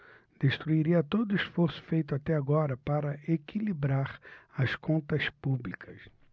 destruiria todo esforço feito até agora para equilibrar as contas públicas